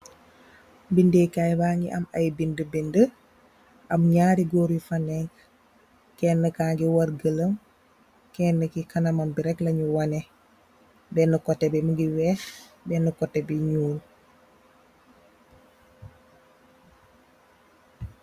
Bende kaye bi mougui ammeh aye bende nyerri gorr la fa neh kene ki mougui yorr gelaim kene ki kanam mam bi rehk lang wonne bene koteh bi mougui wech beneh koteh bi nyull